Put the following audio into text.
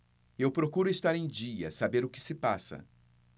eu procuro estar em dia saber o que se passa